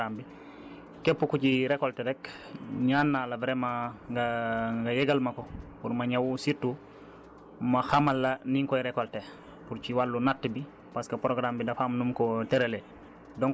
te ci récolte yooyu comme ni ma la ko waxee surtout ci toolu programme bi képp ku ciy récolter rekk ñaan naa la vraiment nga nga yégal ma ko pour ma ñëw surtout ma xamal la ni nga koy récolter pour ci wàllu natt bi